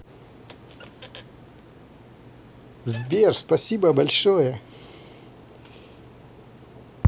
сбер спасибо большое